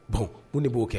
Bon ko ne b'o kɛ